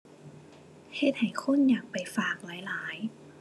เฮ็ดให้คนอยากไปฝากหลายหลาย